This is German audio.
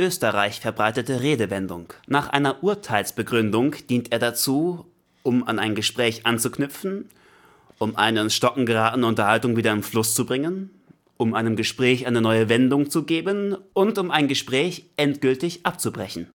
Österreich verbreitete Redewendung. Nach einer Urteilsbegründung dient er dazu, um an ein Gespräch anzuknüpfen um eine ins Stocken geratene Unterhaltung wieder in Fluss zu bringen um einem Gespräch eine neue Wendung zu geben um ein Gespräch endgültig abzubrechen